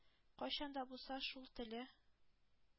Кайчан да булса, шул теле,